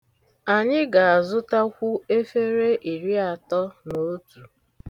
Anyị ga-azụtakwu efere iriatọ na otu.